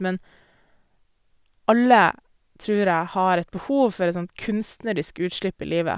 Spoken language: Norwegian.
Men alle, tror jeg, har et behov for et sånt kunstnerisk utslipp i livet.